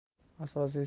asosiysi hech